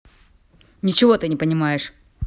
ничего ты не понимаешь